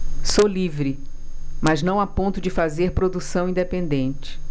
sou livre mas não a ponto de fazer produção independente